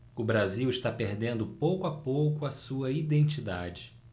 o brasil está perdendo pouco a pouco a sua identidade